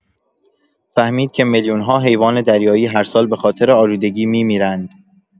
فهمید که میلیون‌ها حیوان دریایی هر سال به‌خاطر آلودگی می‌میرند.